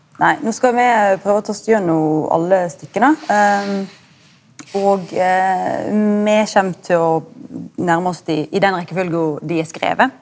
nei no skal me prøva å ta oss gjennom alle stykka og me kjem til å nærma oss dei i den rekkefølga dei er skrive.